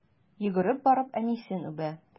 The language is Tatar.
Йөгереп барып әнисен үбә.